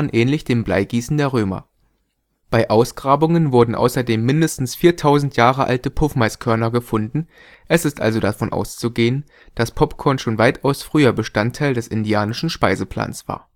ähnlich dem Bleigießen der Römer). Bei Ausgrabungen wurden außerdem mindestens 4000 Jahre alte Puffmaiskörner gefunden, es ist also davon auszugehen, dass Popcorn schon weitaus früher Bestandteil des indianischen Speiseplans war